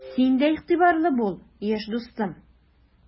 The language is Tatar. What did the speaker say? Син дә игътибарлы бул, яшь дустым!